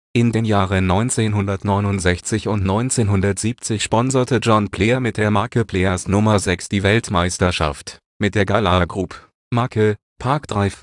In den Jahren 1969 und 1970 sponserte John Player mit der Marke Player 's No.6 die Weltmeisterschaft. Mit der Gallaher Group (Marke: Park Drive